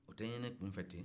o tɛ ɲɛɲini kunfɛ ten